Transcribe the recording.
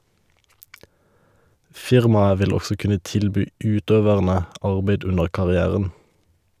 Firmaet vil også kunne tilby utøverne arbeid under karrieren.